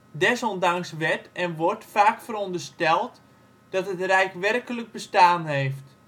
Desondanks werd en wordt vaak verondersteld dat het rijk werkelijk bestaan heeft